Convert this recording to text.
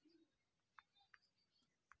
как выглядит золото